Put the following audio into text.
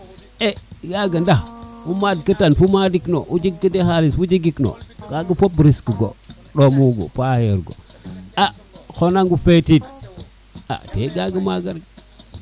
e yaga ndax o maad ketan fo maadik no o jek te xalis bo jegit na kaga fop risque yo ɗomo paxero a xona nga o perte ta kaga maga rek